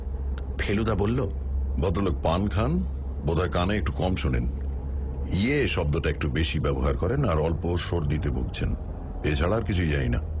ফেলুদা বলল ভদ্রলোক পান খান বোধহয় কানে একটু কম শোনেন ইয়ে শব্দটা একটু বেশি ব্যবহার করেন আর অল্প সর্দিতে ভুগছেন এ ছাড়া আর কিছুই জানি না